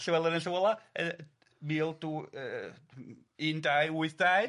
Llywelyn Ein Llyw Olaf yn Mil Dw- yy Un Dau Wyth Dau de!